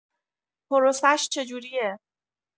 پروسش چجوریه؟